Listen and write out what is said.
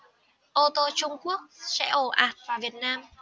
ô tô trung quốc sẽ ồ ạt vào việt nam